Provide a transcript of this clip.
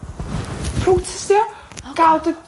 Protestio. Ga'l dy...